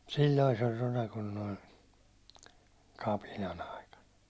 silloin se oli rona kun nuo kapinan aikana